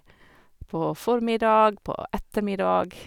På formiddag, på ettermiddag.